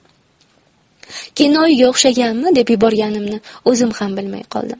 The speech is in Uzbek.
kennoyiga o'xshaganmi deb yuborganimni o'zim ham bilmay qoldim